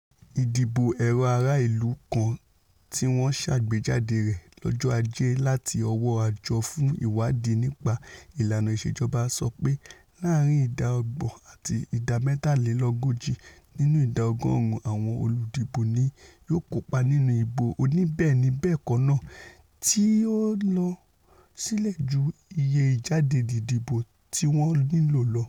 Ìdìbò èrò ara ìlú kan tíwọ́n ṣàgbéjáde rẹ̀ lọ́jọ́ Ajé láti ọwọ́ Àjọ fún Ìwáàdí nípa Ìlàna Ìṣèjọba sọ pé láàrin ìdá ọgbọ̀n àti ìdá mẹ́tàlélógójì nínú ìdá ọgọ́ọ̀rún àwọn olùdìbò ni yóò kópa nínú ìbò oníbẹ́ẹ̀ni-bẹ́ẹ̀kọ́ náà - tí o ́lọ sílẹ̀ ju iye ìjáde-dìbò tíwọ́n nílò lọ.